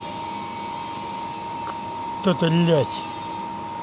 как то блядь